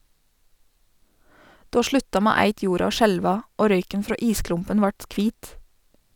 Då slutta med eitt jorda å skjelva, og røyken frå isklumpen vart kvit.